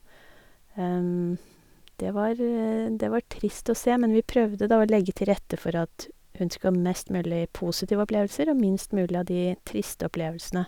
det var Det var trist å se, men vi prøvde, da, å legge til rette for at hun skulle ha mest mulig positive opplevelser og minst mulig av de triste opplevelsene.